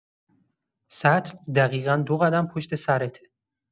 سطل دقیقا دو قدم پشت سرته.